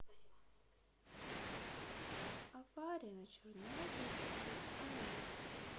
авария на чернобыльской аэс